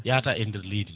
yaata e nder leydi